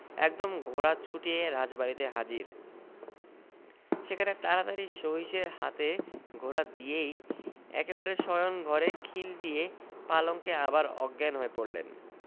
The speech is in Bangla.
একদম ঘোড়া ছূটিয়ে রাজবাড়িতে হাজির সেখানে তাড়াতাড়ি সহিসের হাতে ঘোড়া দিয়েই একেবারে শয়ন ঘরে খিল দিয়ে পালঙ্কে আবার অজ্ঞান হয়ে পড়লেন